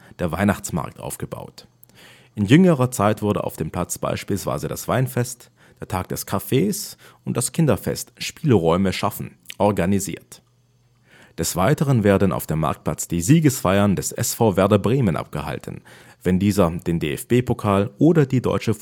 der Weihnachtsmarkt aufgebaut. In jüngerer Zeit wurden auf dem Platz beispielsweise das Weinfest, der Tag des Kaffees und das Kinderfest SpielRäume schaffen organisiert. Des weiteren werden auf dem Marktplatz die Siegesfeiern des SV Werder Bremen abgehalten, wenn dieser den DFB-Pokal oder die Deutsche